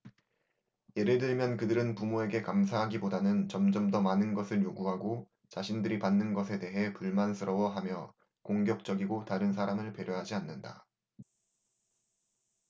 예를 들면 그들은 부모에게 감사하기보다는 점점 더 많은 것을 요구하고 자신들이 받는 것에 대해 불만스러워하며 공격적이 고 다른 사람을 배려하지 않는다